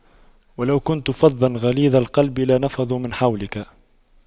وَلَو كُنتَ فَظًّا غَلِيظَ القَلبِ لاَنفَضُّواْ مِن حَولِكَ